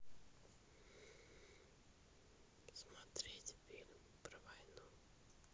смотреть фильм про войну